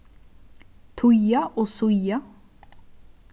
týða og síða